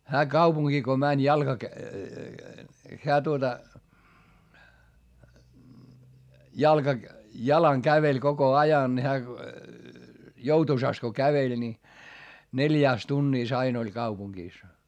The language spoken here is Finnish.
hän kaupunkiin kun meni - hän tuota - jalan käveli koko ajan niin hän joutuisasti kun käveli niin neljässä tunnissa aina oli kaupungissa